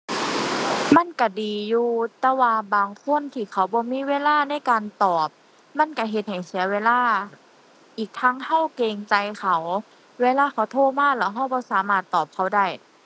มันก็ดีอยู่ แต่ว่าบางคนที่เขาบ่มีเวลาในการตอบ มันก็เฮ็ดให้เสียเวลา อีกทั้งก็เกรงใจเขาเวลาเขาโทรมาแล้วก็บ่สามารถตอบเขาได้